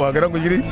waagirang o jiriñ.